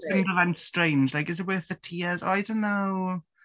Ffeindio fe'n strange like is it worth the tears? Oh I don't know.